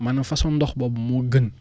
maanaam façon ndox boobu moo gën